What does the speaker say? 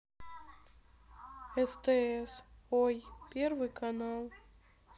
стс ой первый канал